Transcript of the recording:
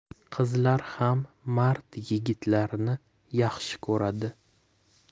qizlar ham mard yigitlarni yaxshi ko'radi